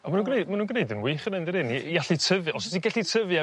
A ma' nw'n gneu... ma' nw'n gneud yn wych yna yndydyn? I yy i allu tyfu... Os y' di gellu tyfu ar...